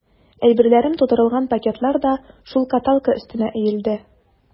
Әйберләрем тутырылган пакетлар да шул каталка өстенә өелде.